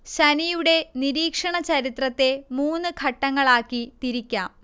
ശനിയുടെ നിരീക്ഷണ ചരിത്രത്തെ മൂന്ന് ഘട്ടങ്ങളാക്കി തിരിക്കാം